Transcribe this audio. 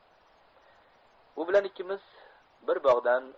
u bilan ikkimiz bir bog'dan